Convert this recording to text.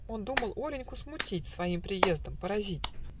Он думал Оленьку смутить, Своим приездом поразить